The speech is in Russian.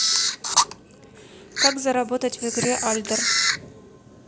как заработать в игре альдер